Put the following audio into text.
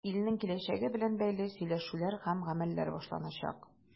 Илнең киләчәге белән бәйле сөйләшүләр һәм гамәлләр башланачак.